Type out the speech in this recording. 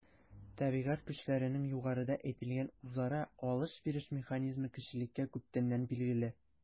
Табигать көчләренең югарыда әйтелгән үзара “алыш-биреш” механизмы кешелеккә күптәннән билгеле.